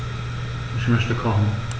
Ich möchte kochen.